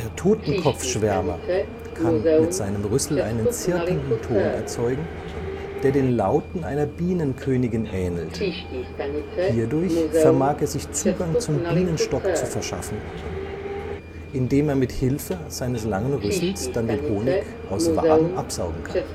Totenkopfschwärmer kann mit seinem Rüssel einen zirpenden Ton erzeugen, der den Lauten einer Bienenkönigin ähnelt. Hierdurch vermag er sich Zugang zum Bienenstock zu verschaffen, in dem er mit Hilfe seines langen Rüssels dann den Honig aus Waben absaugen kann